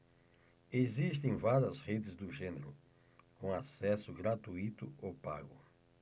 existem várias redes do gênero com acesso gratuito ou pago